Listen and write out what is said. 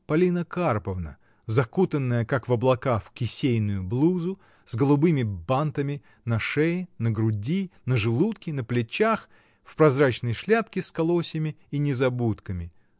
Полина Карповна, закутанная, как в облака, в кисейную блузу, с голубыми бантами на шее, на груди, на желудке, на плечах, в прозрачной шляпке с колосьями и незабудками.